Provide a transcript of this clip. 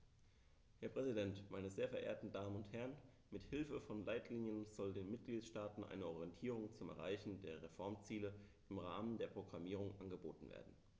Herr Präsident, meine sehr verehrten Damen und Herren, mit Hilfe von Leitlinien soll den Mitgliedstaaten eine Orientierung zum Erreichen der Reformziele im Rahmen der Programmierung angeboten werden.